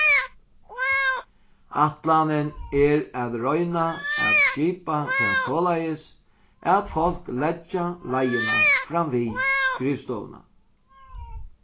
ætlanin er at royna at skipa tað soleiðis at fólk leggja leiðina fram við skrivstovuna